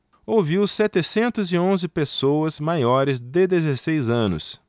ouviu setecentos e onze pessoas maiores de dezesseis anos